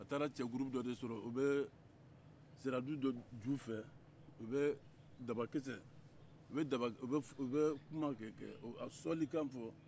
a taara cɛ gurupu dɔ de sɔrɔ u bɛ siraju dɔ ju fɛ u bɛ dabakisɛ u bɛ a sɔnnikan fɔ